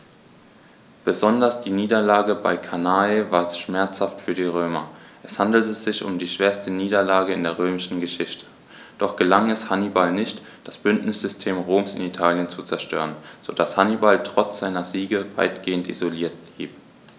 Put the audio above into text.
Besonders die Niederlage bei Cannae war schmerzhaft für die Römer: Es handelte sich um die schwerste Niederlage in der römischen Geschichte, doch gelang es Hannibal nicht, das Bündnissystem Roms in Italien zu zerstören, sodass Hannibal trotz seiner Siege weitgehend isoliert blieb.